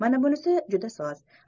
mana bunisi juda soz